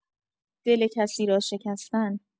دل کسی را شکستن